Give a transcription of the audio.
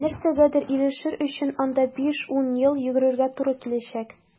Нәрсәгәдер ирешер өчен анда 5-10 ел йөгерергә туры киләчәк.